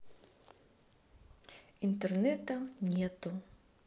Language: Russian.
интернета нету